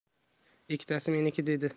ikkitasi meniki dedi